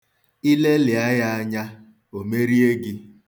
I lelịa ya anya, o merie gị.